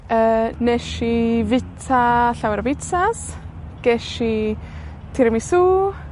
Yy nesh i fita llawer o bitsas, gesh i tiramisu.